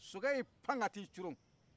sokɛ y'i pan ka t'i curu